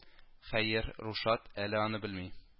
Хәер, Рушад әле аны белми